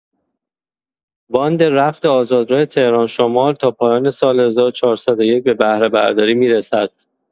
باند رفت آزادراه تهران - شمال تا پایان سال ۱۴۰۱ به بهره برداری می‌رسد.